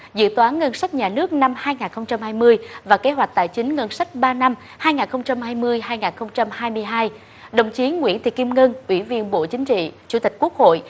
dự toán ngân sách nhà nước năm hai ngàn không trăm hai mươi và kế hoạch tài chính ngân sách ba năm hai ngàn không trăm hai mươi hai ngàn không trăm hai mươi hai đồng chí nguyễn thị kim ngân ủy viên bộ chính trị chủ tịch quốc hội